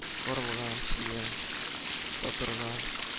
– карлыган-чия татырга